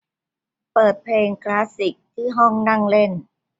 เปิดเพลงคลาสสิกที่ห้องนั่งเล่น